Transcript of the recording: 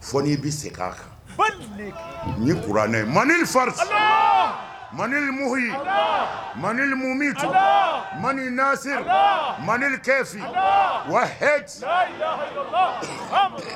Fɔ n'i bi seg'a kan bal-lik ni kuranɛ ye manil farit Alaa manil muhii Alaa manil muumitu Alaa mani naasiri Alaa manil kɛɛfi Alaa wahed laa ilaha ilala Mohamadara